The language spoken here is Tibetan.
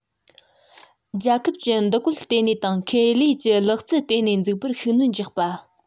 རྒྱལ ཁབ ཀྱི འདུ འགོད ལྟེ གནས དང ཁེ ལས ཀྱི ལག རྩལ ལྟེ གནས འཛུགས པར ཤུགས སྣོན རྒྱག པ